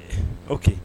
Oke